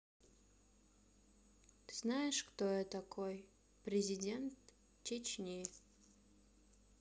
знаешь кто я такой президент чечни